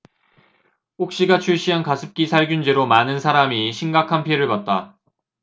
옥시가 출시한 가습기살균제로 많은 사람이 심각한 피해를 봤다